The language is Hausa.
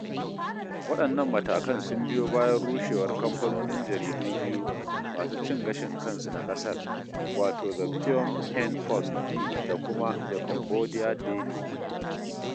Waɗannan matakan sun biyo bayan rushewar kamfanonin jaridu biyu masu cin gashin kansu na ƙasar, wato 'The Phnom Pehn Post' da kuma 'The Cambodia Daily'.